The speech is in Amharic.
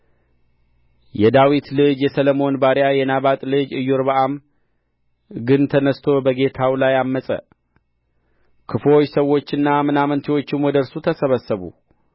የዳዊት ልጅ የሰሎሞን ባሪያ የናባጥ ልጅ ኢዮርብዓም ግን ተነሥቶ በጌታው ላይ ዐመፀ ክፉዎች ሰዎችና ምናምንቴዎችም ወደ እርሱ ተሰበሰቡ